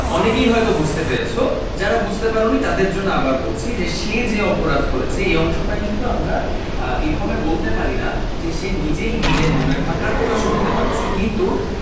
অনেকেই হয়তো বুঝতে পেরেছ যারা বুঝতে পারে তাদের জন্য আবার বলছি সে যে অপরাধ করেছে এই অংশটা কিন্তু আমরা এভাবে বলতে পারি না যে সে নিজেই নিজের মনের ভাবটা প্রকাশ করতে পারছে কিন্তু